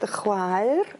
...dy chwaer